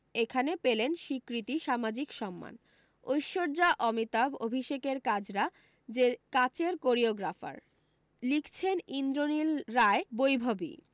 এখানে পেলেন স্বীকৃতি সামাজিক সম্মান ঐশ্বর্যা অমিতাভ অভিষেকের কাজরা রে নাচের কোরিওগ্রাফার লিখছেন ইন্দ্রনীল রায় বৈভবী